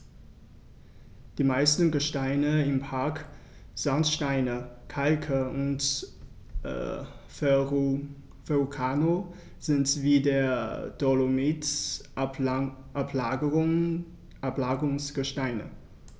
Die meisten Gesteine im Park – Sandsteine, Kalke und Verrucano – sind wie der Dolomit Ablagerungsgesteine.